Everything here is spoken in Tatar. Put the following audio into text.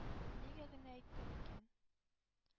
Нигә генә әйттем икән